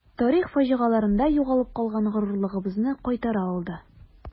Тарих фаҗигаларында югалып калган горурлыгыбызны кайтара алды.